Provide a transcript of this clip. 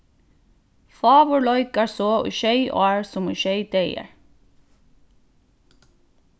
fáur leikar so í sjey ár sum í sjey dagar